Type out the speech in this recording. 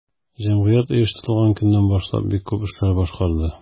Җәмгыять оештырылган көннән башлап бик күп эшләр башкарды.